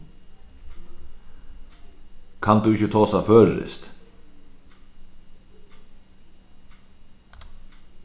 kann tú ikki tosa føroyskt